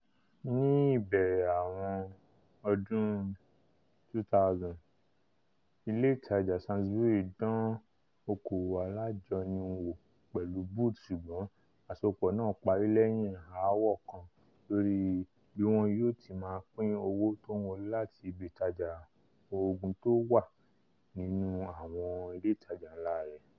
Ni ìbẹ̀rẹ̀ àwọn ọdún 2000,ilé ìtaja Sainsbury dán oko-òwò alájọni wò pẹ̀lu Boots sùgbọ́n àsopọ náà pári lẹ́yìn aáwọ̀ kan lórí bí wọn yóò tí máa pín owó tó ńwọlé láti ibi ìtajà oogun tówà nínú àwọn ilé ìtajà ńlá rè̀.